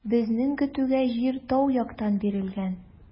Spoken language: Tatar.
Безнең көтүгә җир тау яктан бирелгән.